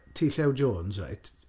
T Llew Jones, reit.